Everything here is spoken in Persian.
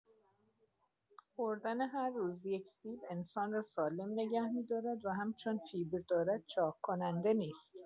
خوردن هر روز یک سیب انسان را سالم نگه می‌دارد و هم چون فیبر دارد چاق‌کننده نیست.